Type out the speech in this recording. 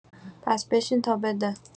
پس بشین تا بده